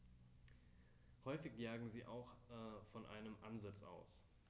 Häufig jagen sie auch von einem Ansitz aus.